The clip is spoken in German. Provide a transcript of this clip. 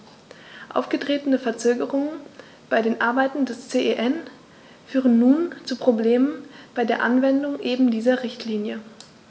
Aufgetretene Verzögerungen bei den Arbeiten des CEN führen nun zu Problemen bei der Anwendung eben dieser Richtlinie.